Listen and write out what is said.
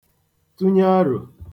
tụnye arò